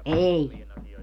ei